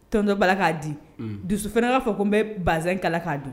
Tɔnon dɔ b bala k'a di dusu fana b'a fɔ ko n bɛ baz in kala'a don